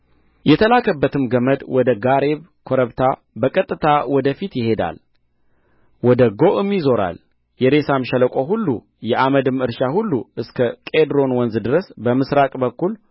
የተለካበትም ገመድ ወደ ጋሬብ ኮረብታ በቀጥታ ወደ ፊት ይሄዳል ወደ ጎዓም ይዞራል የሬሳም ሸለቆ ሁሉ የአመድም እርሻ ሁሉ እስከ ቄድሮን ወንዝ ድረስ በምሥራቅ በኩል